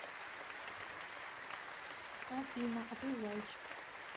афина а ты зайчик